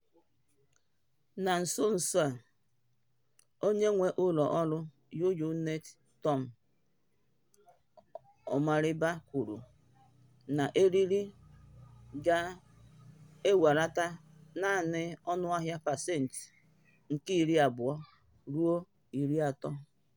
Na nso nso a onye nwe ụlọ ọrụ UUnet Tom Omariba kwuru na eriri ga-ewelata naanị ọnụ ahịa pasent nke 20-30.